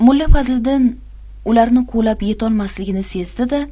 mulla fazliddin ularni quvlab yetolmasligini sezdida